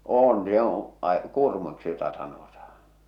on joo ai kurmuiksi jota sanotaan